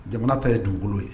Jamana ta ye dunkolo ye